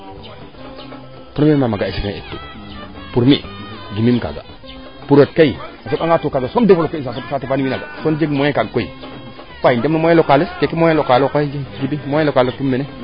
pour na in eet tu pour :frav gi miim kaaga pour o ret kay a soɓa nga pour kaaga soom developper u saate fa wiin waaga kon moyen kaaga koy waay im dam no moyen locale es keeke moyen locale o Djiby moyen locale tum mene